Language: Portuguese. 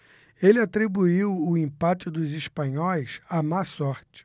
ele atribuiu o empate dos espanhóis à má sorte